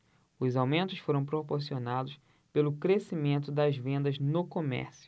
os aumentos foram proporcionados pelo crescimento das vendas no comércio